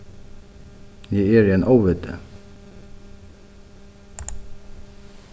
eg eri ein óviti